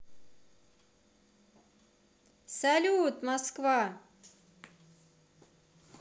салют москва